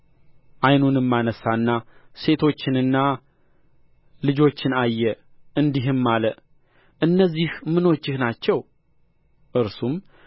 ዓይኑንም አነሣና ሴቶችንና ልጆችን አየ እንዲህም አለ እነዚህ ምኖችህ ናቸው እርሱም